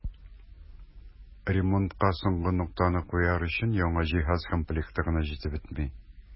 Ремонтка соңгы ноктаны куяр өчен яңа җиһаз комплекты гына җитеп бетми.